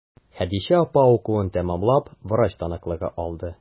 Хәдичә апа укуын тәмамлап, врач таныклыгы алды.